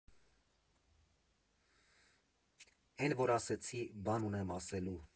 Էն որ ասեցի՝ բան ունեմ ասելու։